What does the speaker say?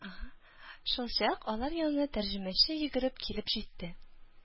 Шулчак алар янына тәрҗемәче йөгереп килеп җитте.